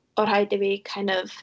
O' rhaid i fi kind of...